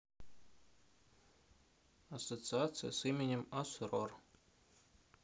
ассоциация с именем асрор